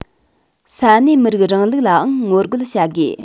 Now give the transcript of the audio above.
ས གནས མི རིགས རིང ལུགས ལའང ངོ རྒོལ བྱ དགོས